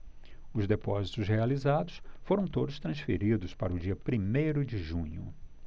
os depósitos realizados foram todos transferidos para o dia primeiro de junho